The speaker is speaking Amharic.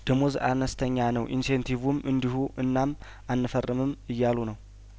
ደሞዝ አነስተኛ ነው ኢንሴንቲቩም እንዲሁ እናም አንፈርምም እያሉ ነው